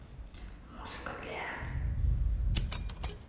музыка для